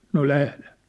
no lähden